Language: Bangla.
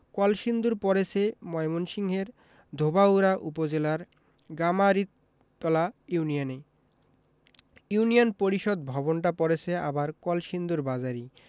কলসিন্দুর পড়েছে ময়মনসিংহের ধোবাউড়া উপজেলার গামারিতলা ইউনিয়নে ইউনিয়ন পরিষদ ভবনটা পড়েছে আবার কলসিন্দুর বাজারেই